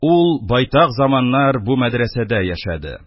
Ул байтак заманнар бу мәдрәсәдә яшәде